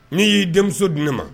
N'i y'i denmuso di ne ma